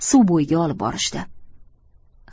suv bo'yiga olib borishdi